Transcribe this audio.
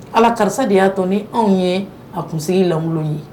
Ala karisa de y'a to ni anw ye a kunsigi lan ye